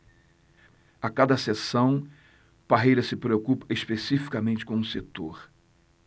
a cada sessão parreira se preocupa especificamente com um setor